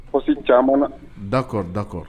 Psi caman dakɔ dakɔ